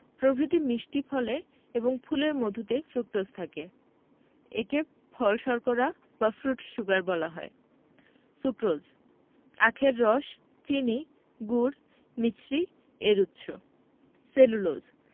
প্রভৃতি মিষ্টি ফলে এবং ফুলের মধুতে ফ্রুকটোজ থাকে একে ফল শর্করা বা ফ্রুট শুগার বলা হয় সুক্রোজ আখের রস চিনি গুড় মিছরি এর উৎস সেলুলোজ